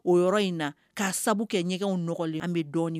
O yɔrɔ in na k'a sababu kɛ ɲɛgɛnw nɔgɔlen an bɛ dɔɔninɔni